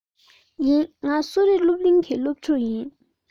ཡིན ང གསོ རིག སློབ གླིང གི སློབ ཕྲུག ཡིན